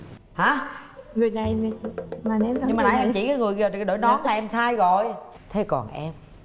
hả nhưng mà nãy em chỉ cái người đội nón là em sai rồi thế còn em